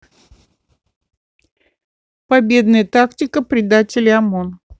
победная тактика предателей омон